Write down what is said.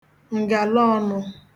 ǹgàlaọ̀nụ